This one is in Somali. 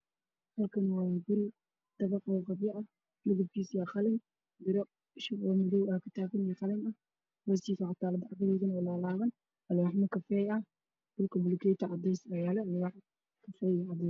Halkaan waxaa ka muuqdo guri qabyo ah oo dhismaha wali dhamaan banaankana waxaa ka muuqda sali lagu tukado